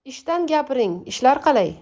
ishdan gapiring ishlar qalay